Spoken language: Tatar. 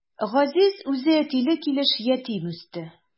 Газиз үзе әтиле килеш ятим үсте.